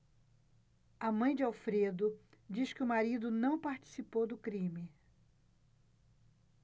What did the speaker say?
a mãe de alfredo diz que o marido não participou do crime